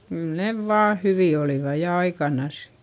kyllä ne vain hyviä olivat ja aikanansa